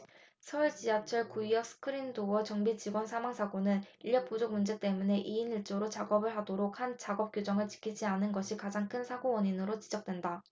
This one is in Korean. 서울지하철 구의역 스크린도어 정비 직원 사망 사고는 인력부족 문제 때문에 이 인 일 조로 작업을 하도록 한 작업규정을 지키지 않은 것이 가장 큰 사고원인으로 지적된다